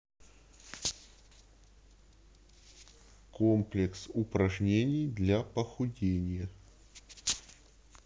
комплекс упражнений для похудения